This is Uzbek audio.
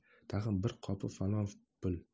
tag'in bir qopi falon pul